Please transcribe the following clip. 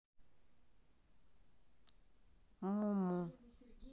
муму